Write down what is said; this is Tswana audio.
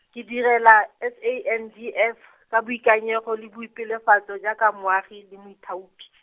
ke direla, S A N D F, ka boikanyego le boipelafatso jaaka moagi le moithaopi.